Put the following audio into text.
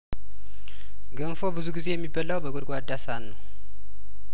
ገንፎ ብዙ ጊዜ የሚበላው በጐድጓዳ ሳህን ነው